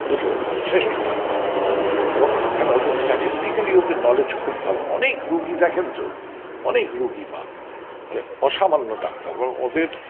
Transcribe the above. বুঝলেন শ্রেষ্ঠ ডাক্তার এবং স্ট্যাটিস্টিক্যালি ওদের নলেজ খুব ভালো অনেক রোগী দেখেন তো অনেক রোগী পান অসামান্য ডাক্তার এবং ওদের